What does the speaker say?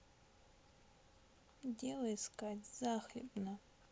дело искать захлебно